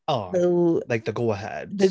Oh... go ...like the go-ahead?